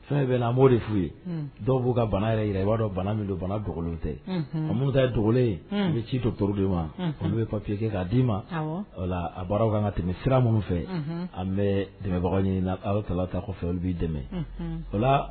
Fɛn bɛ' ye dɔw b'o ka bana yɛrɛ i b'a minlen tɛ a minnu dogolen n bɛ ci dɔororo de ma n' bɛ papiye kɛ k'a d'i ma a bɔra kan ka tɛmɛ sira minnu fɛ an bɛ dɛmɛbagaw ɲini aw ta ta kɔfɛ olu b'i dɛmɛ